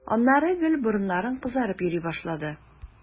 Аннары гел борыннарың кызарып йөри башлады.